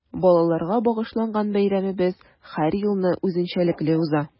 Балаларга багышланган бәйрәмебез һәр елны үзенчәлекле уза.